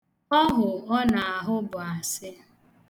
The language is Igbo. Ọhụ ọ na-ahụ bụ asị.